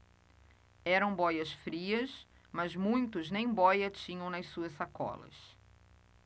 eram bóias-frias mas muitos nem bóia tinham nas suas sacolas